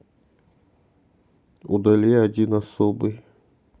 удали один особый